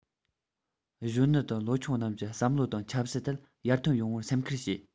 གཞོན ནུ དང ལོ ཆུང རྣམས ཀྱི བསམ བློ དང ཆབ སྲིད ཐད ཡར ཐོན ཡོང བར སེམས ཁུར བྱས